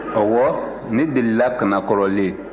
ɔwɔ ne delila ka na kɔrɔlen